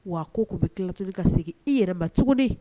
Wa ko k' bɛ tilala toli ka segin i yɛrɛ ma cogo di